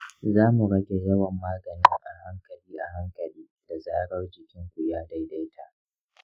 za mu rage yawan maganin a hankali a hankali da zarar jikin ku ya daidaita.